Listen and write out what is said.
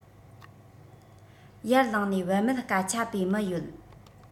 ཡར ལངས ནས བད མེད སྐད ཆ པའི མི ཡོད